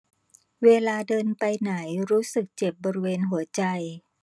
เวลาเดินไปไหนรู้สึกเจ็บบริเวณหัวใจ